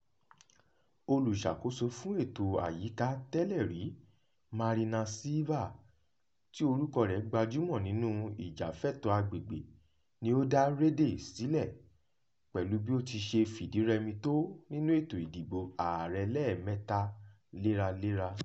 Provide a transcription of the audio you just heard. Olùṣàkóso fún ètò àyíká tẹ́lẹ̀ rí Marina Silva, tí orúkọ rẹ̀ gbajúmọ̀ nínú ìjàfẹ́tọ̀ọ́ agbègbè ni ó dá Rede sílẹ̀ pẹ̀lú bí ó ti ṣe fìdírẹmi tó nínú ètò ìdìbò ààrẹ lẹ́ẹ̀mẹ́ta léraléra.